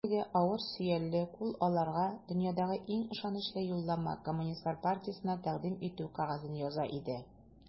Әлеге авыр, сөялле кул аларга дөньядагы иң ышанычлы юллама - Коммунистлар партиясенә тәкъдим итү кәгазен яза иде.